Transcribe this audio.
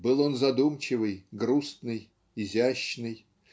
Был он задумчивый, грустный, изящный